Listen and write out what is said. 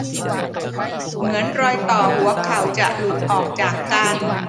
เหมือนรอยต่อหัวเข่าจะหลุดออกจากกัน